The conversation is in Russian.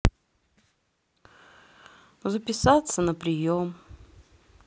записаться на прием